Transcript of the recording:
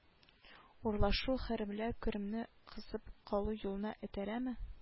Урлашу хәрәмләү керемне кысып калу юлына этәрәме